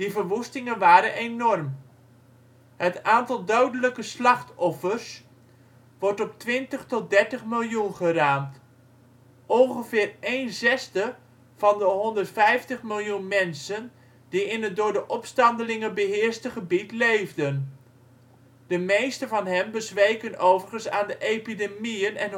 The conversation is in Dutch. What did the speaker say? verwoestingen waren enorm. Het aantal dodelijke slachtoffers wordt op 20 tot 30 miljoen geraamd, ongeveer een zesde van de 150 miljoen mensen die in het door de opstandelingen beheerste gebied leefden. De meeste van hen bezweken overigens aan de epidemieën en